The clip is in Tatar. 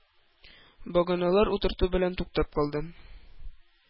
Баганалар утырту белән туктап калды.